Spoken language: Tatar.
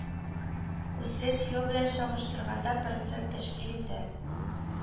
Үсеш ел белән чагыштырганда процент тәшкил итә